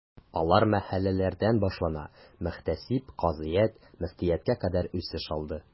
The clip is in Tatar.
Алар мәхәлләләрдән башлана, мөхтәсиб, казыят, мөфтияткә кадәр үсеш алды.